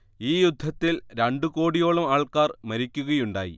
ഈ യുദ്ധത്തിൽ രണ്ടു കോടിയോളം ആൾക്കാർ മരിക്കുകയുണ്ടായി